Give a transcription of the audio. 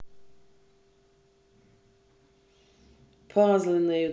пазлы на ютуб